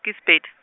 ke Seped-.